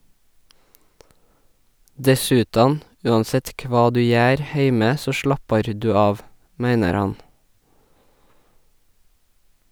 Dessutan, uansett kva du gjer heime så slappar du av , meiner han.